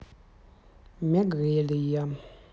мегрелия